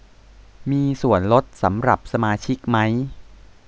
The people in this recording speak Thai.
มีส่วนลดสำหรับสมาชิกมั้ย